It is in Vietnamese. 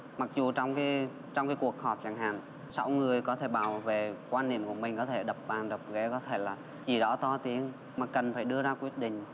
mặc dù trong cái trong cái cuộc họp chẳng hạn sáu người có thể bảo vệ quan điểm của mình có thể đập bàn đập ghế có thể là chỉ rõ to tiếng mà cần phải đưa ra quyết định